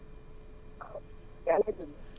yaa ngi may dégg